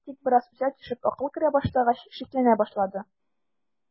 Тик бераз үсә төшеп акыл керә башлагач, шикләнә башлады.